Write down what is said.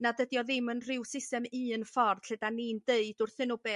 na dydi o ddim yn ryw system un ffor' lle 'da ni'n deud wrthyn n'w be